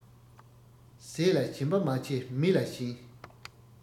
ཟས ལ ཞེན པ མ ཆེ མི ལ བྱིན